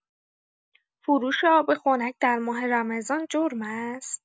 فروش آب خنک در ماه رمضان جرم است؟